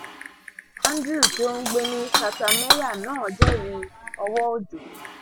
Andrew tí ó ń gbé ní Katameyya náà jẹ́rìí ọwọ́ òjò.